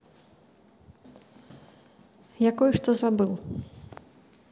я кое что забыл